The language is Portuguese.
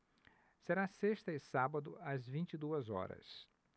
será sexta e sábado às vinte e duas horas